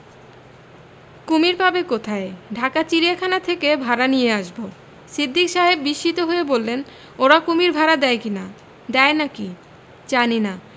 কুমীর পাবে কোথায় ঢাকার চিড়িয়াখানা থেকে ভাড়া নিয়ে আসব সিদ্দিক সাহেব বিস্মিত হয়ে বললেন 'ওরা কুমীর ভাড়া দেয় কি না দেয় না কি জানি না